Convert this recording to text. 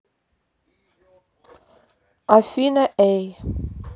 afina а